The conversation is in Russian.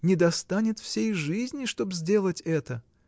Недостанет всей жизни, чтоб сделать это!